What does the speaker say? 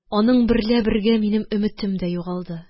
Аның берлә бергә минем өметем дә югалды